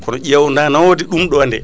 kono ƴeew na nawde ɗum ɗo nde